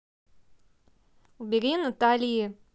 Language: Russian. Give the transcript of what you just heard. убери натали